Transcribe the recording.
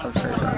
Alfayda